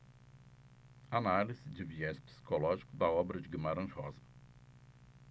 análise de viés psicológico da obra de guimarães rosa